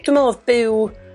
Dwi me'l o'dd byw a